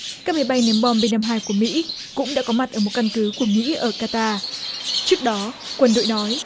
các máy bay ném bom bê năm hai của mỹ cũng đã có mặt ở một căn cứ của mỹ ở ca ta trước đó quân đội nói